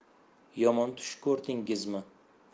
yomon tush ko'rdingizmi